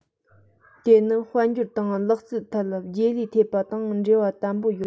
དེ ནི དཔལ འབྱོར དང ལག རྩལ ཐད རྗེས ལུས ཐེབས པ དང འབྲེལ བ དམ པོ ཡོད